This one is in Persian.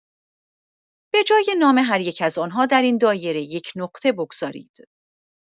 به‌جای نام هریک از آن‌ها در این دایره یک نقطه بگذارید.